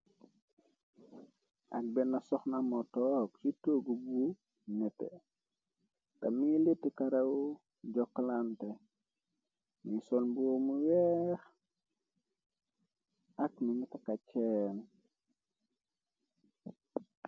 Ak benn soxna motoog ci tëggu bu nete, te militi karaw jokkalanté , ni sol boomu weex ak mingi taka ceen.